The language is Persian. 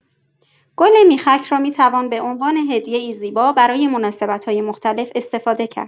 گل میخک را می‌توان به‌عنوان هدیه‌ای زیبا برای مناسبت‌های مختلف استفاده کرد.